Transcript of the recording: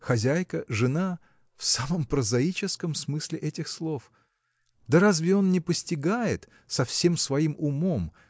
Хозяйка, жена – в самом прозаическом смысле этих слов! Да разве он не постигает со всем своим умом